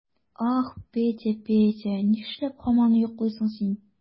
Ах, Петя, Петя, нишләп һаман йоклыйсың син?